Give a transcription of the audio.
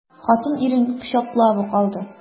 Хатын ирен кочаклап ук алды.